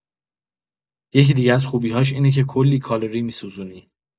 یکی دیگه از خوبی‌هاش اینه که کلی کالری می‌سوزونی!